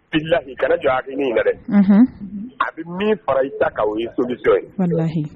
Bilahi kana jɔ hakili ni in na dɛ unhun a bi min fara i ta kan o ye solution ye walahi